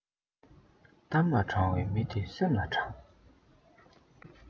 གཏམ ལ དྲང བའི མི དེ སེམས ལ དྲང